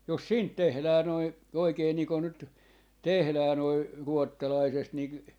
jos siitä tehdään noin oikein niin kuin nyt tehdään noin ruotsalaisesta niin